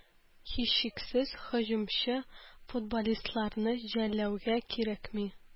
Һичшиксез һөҗүмче футболистларны жәллэүгә кирәкми.